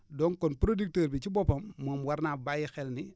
donc kon producteur bi ci boppam moom war naa bàyyi xel ni